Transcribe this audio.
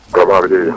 waaw baax na jërëjëf